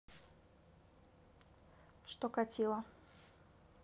что катила